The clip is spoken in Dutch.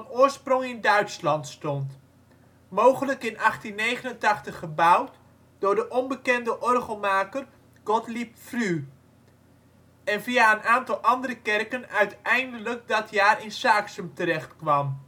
oorsprong in Duitsland stond (mogelijk in 1889 gebouwd door de onbekende orgelmaker Gottlieb Früh) en via een aantal andere kerken uiteindelijk dat jaar in Saaksum terecht kwam